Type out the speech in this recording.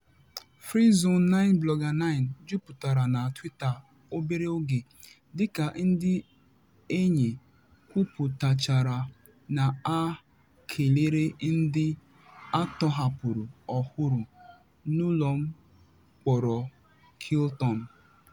#FreeZone9Blogger9 jupụtara na Twitter obere oge dịka ndị enyi kwupụtachara na ha kelere ndị a tọhapụrụ ọhụrụ n'ụlọmkpọrọ Kilnto.